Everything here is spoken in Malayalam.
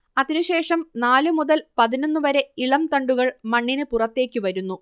അതിനു ശേഷം നാലു മുതൽ പതിനൊന്നു വരെ ഇളം തണ്ടുകൾ മണ്ണിനു പുറത്തേക്കു വരുന്നു